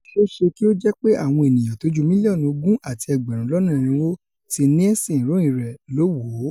Ó ṣeé ṣé kí ó jẹ́pé àwọn ènìyàn tó ju mílíọ̀nù ogun àti ẹgbẹ̀rún lọ́nà irinwó ti Nielsen ròyìn rẹ̀ ló wò o.